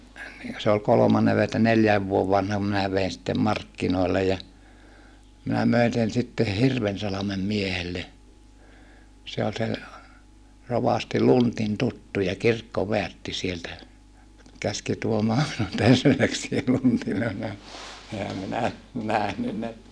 se oli kolmannen - että neljän vuoden vanhan minä vein sitten markkinoille ja minä möin sen sitten Hirvensalmen miehelle se oli sen rovasti Lundin tuttuja kirkkoväärtti sieltä käski tuomaan minun terveisiä Lundille oli vähän enhän minä nähnyt ne